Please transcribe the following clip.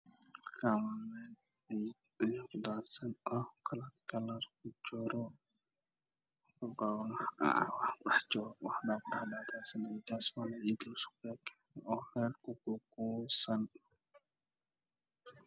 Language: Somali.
Meesha waa meel bannaan waxaa ii muuqday ciid midabkeedu yahay guduud oo meel banaan tuuran